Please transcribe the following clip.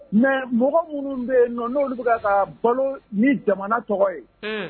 Mɛ mɔgɔ minnu bɛ yen nɔn'olu bɛ ka balo ni jamana tɔgɔ ye